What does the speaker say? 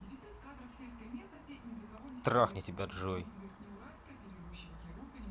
трахни тебя джой